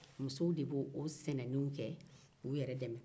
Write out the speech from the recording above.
musow de bɛ o sɛnɛninw kɛ k'u yɛrɛ dɛmɛ